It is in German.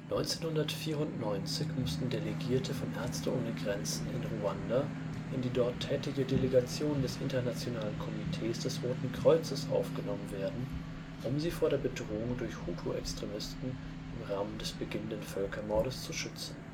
1994 mussten Delegierte von MSF in Ruanda in die dort tätige Delegation des IKRK aufgenommen werden, um sie vor der Bedrohung durch Hutu-Extremisten im Rahmen des beginnenden Völkermordes zu schützen